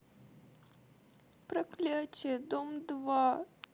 проклятие дом два